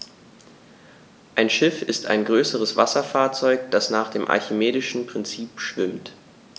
Ein Schiff ist ein größeres Wasserfahrzeug, das nach dem archimedischen Prinzip schwimmt.